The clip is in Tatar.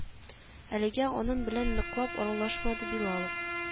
Әлегә аның белән ныклап аралашмады билалов